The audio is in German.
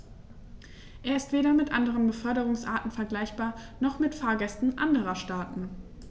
Er ist weder mit anderen Beförderungsarten vergleichbar, noch mit Fahrgästen anderer Staaten.